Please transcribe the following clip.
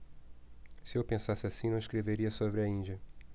se eu pensasse assim não escreveria sobre a índia